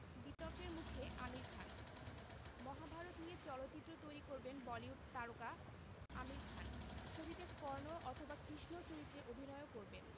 বিতর্কের মুখে আমির খান মহাভারত নিয়ে চলচ্চিত্র তৈরি করবেন বলিউড তারকা আমির খান ছবিতে কর্ণ অথবা কৃষ্ণ চরিত্রে অভিনয়ও করবেন